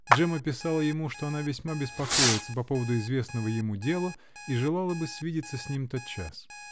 Джемма писала ему, что она весьма беспокоится по поводу известного ему дела и желала бы свидеться с ним тотчас.